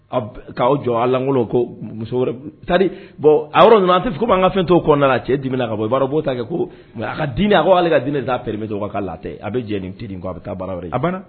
K'aw jɔlangolo ko muso taari bɔn a yɔrɔ an tɛ ko an ka fɛn t' kɔnɔnana a cɛ dimina ka bɔ baara b'o ta kɛ ko mɛ a ka dimi a ko ale ka diinɛ t taaa precogo ka latɛ a bɛ jɛ a bɛ taa baara a banna